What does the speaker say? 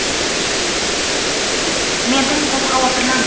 mendan ko'p xavotirlanma